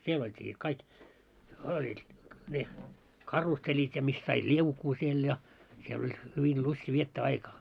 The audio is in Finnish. siellä oltiin sitten kaikki oli ne karusellit ja missä sait liukua siellä ja siellä oli hyvin lysti viettää aikaa